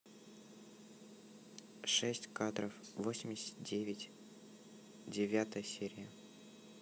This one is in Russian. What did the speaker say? шесть кадров восемьдесят девятая серия